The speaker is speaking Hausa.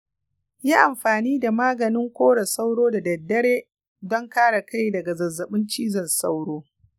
yi amfani da maganin kore sauro da dare don kare kai daga zazzabin cizon sauro